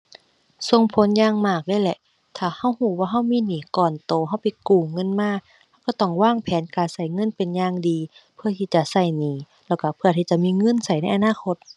ส่งผลอย่างมากเลยแหละ ถ้าเราเราว่าเรามีหนี้ก้อนโต เราไปกู้เงินมา เราต้องวางแผนการเราเงินเป็นอย่างดี เพื่อที่จะเราหนี้ แล้วเราเพื่อที่จะมีเงินเราในอนาคต